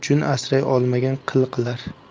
jun asray olmagan qil qilar